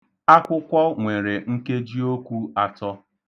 'Akwụkwọ' nwere nkejiokwu atọ.